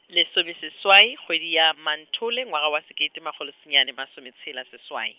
lesomeseswai, kgwedi ya monthule, ngwaga wa sekete makgolo senyane masome tshela seswai.